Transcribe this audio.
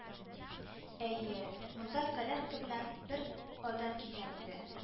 — әйе, монда коляска белән бер адәм килгән иде